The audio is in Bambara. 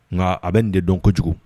Nka a bɛ nin de dɔn kojugu.